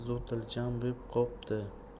zotiljam bo'p qopti